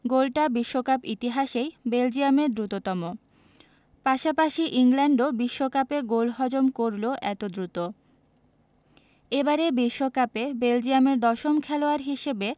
গোলটা বিশ্বকাপ ইতিহাসেই বেলজিয়ামের দ্রুততম পাশাপাশি ইংল্যান্ডও বিশ্বকাপে গোল হজম করল এত দ্রুত এবারের বিশ্বকাপে বেলজিয়ামের দশম খেলোয়াড় হিসেবে